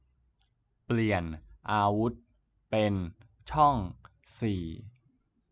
เปลี่ยนอาวุธเป็นช่องสี่